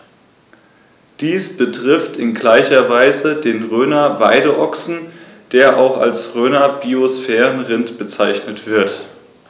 Dies betrifft in gleicher Weise den Rhöner Weideochsen, der auch als Rhöner Biosphärenrind bezeichnet wird.